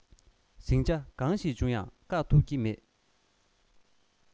ཟིང ཆ གང ཞིག བྱུང ཡང བཀག ཐུབ ཀྱི མེད